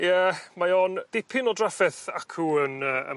Ia mae o'n dipyn o drafferth acw yn yy ym...